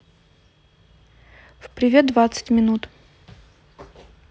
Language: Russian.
в привет двадцать минут